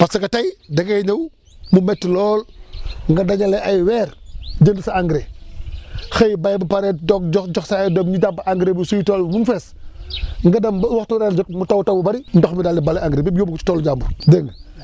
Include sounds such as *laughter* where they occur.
parce que tey da ngay ñëw mu métti lool nga dajale ay weer jënd sa engrais xëy béy ba pare doog jox jox sa ay doom ñu jàpp engrais ba suy tool ba ba mu fees *breath* nga dem ba waxtu *jot mu taw taw bu bëri ndox bi daal di bale engrais bi yëpp yóbbu ko ci toolu jàmbur dégg nga